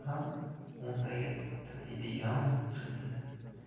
ham o'ntaga tatiydigan chiqdi